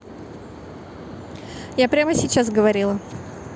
я прямо сейчас говорила